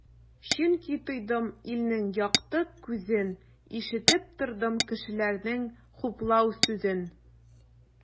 Чөнки тойдым илнең якты күзен, ишетеп тордым кешеләрнең хуплау сүзен.